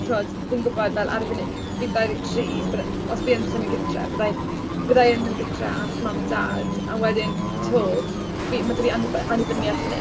Timod, fi'n gwybod, fel ar y funud fi'n ddau ddeg tri bydde... os fi yn symud gytre bydda i bydda i yn mynd gytre at mam a dad, a wedyn 'to fi... mae 'da fi aniby- annibyniaeth fan hyn.